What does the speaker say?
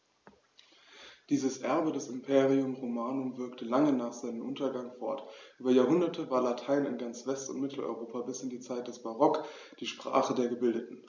Dieses Erbe des Imperium Romanum wirkte lange nach seinem Untergang fort: Über Jahrhunderte war Latein in ganz West- und Mitteleuropa bis in die Zeit des Barock die Sprache der Gebildeten.